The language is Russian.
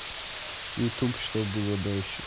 ютуб что было дальше